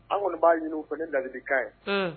An kɔni b'a ɲini fana ne bilalibikan ye